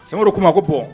Sumaworo kuma ma ko bɔn